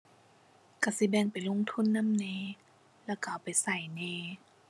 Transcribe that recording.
ก็สิแบ่งไปลงทุนนำแหน่ แล้วก็เอาไปก็แหน่